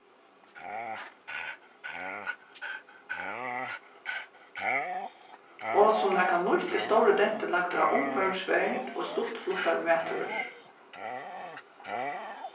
og sum nakað nýtt er stórur dentur lagdur á umhvørvisvernd og stutt fluttar matvørur